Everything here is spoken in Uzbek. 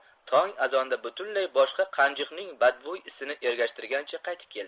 tong azonda butunlay boshqa qanjiqning badbo'y isini ergashtirgancha qaytib keldi